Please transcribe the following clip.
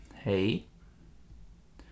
hey